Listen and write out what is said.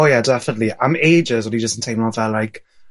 O ie definately am ages o'n i jyst yn teimlo'n fel like